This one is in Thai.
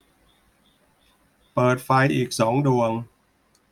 เปิดไฟอีกสองดวง